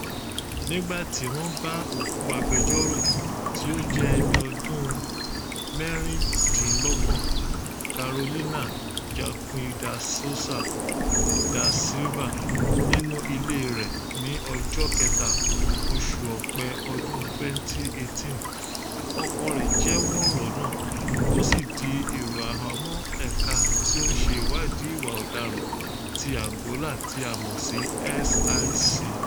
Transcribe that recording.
Nígbà tí wọ́n bá òkú agbẹjọ́rò tí ó jẹ́ ẹni ọdún 26, Carolina Joaquim de Sousa da Silva nínú ilée rẹ̀ ní ọjọ́ 3, oṣù Ọ̀pẹ ọdún 2018, ọkọ rẹ̀ jẹ́wọ́ ọ̀ràn náà, ó sì di èrò àhámọ̀ ẹ̀ka tí ó ń ṣe ìwádìí ìwà ọ̀daràn ti Angola tí a mọ̀ sí SIC.